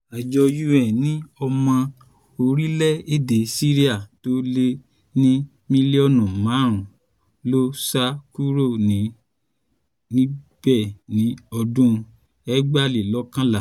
Àjọ UN ní ọmọ orílẹ̀-èdè Syria tó lé ni mílíọ́nù 5 ló sá kúrò níbẹ̀ ní ọdún 2011.